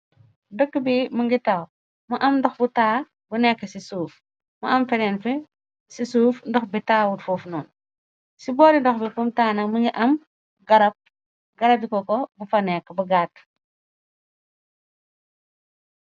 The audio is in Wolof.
Dëkk bi mëngi taw, mu am ndoh bu taa bu nekk ci suuf. Mu am fenen ci suuf ndoh bi taa wut fuufunoon. Ci boori ndoh bi fum taa nak mu ngi am garab, garabi cocco bu fa nekk bu gaat.